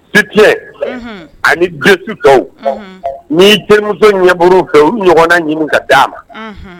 Sute ani dentutɔ ni teri ɲɛbolouru fɛ u ɲɔgɔn na ɲini ka d'a ma